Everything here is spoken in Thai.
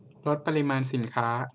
ลดปริมาณสินค้า